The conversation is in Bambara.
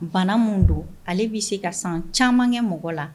Bana min don ale bɛ se ka san camankɛ mɔgɔ la